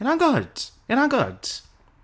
In't that good? In't that good?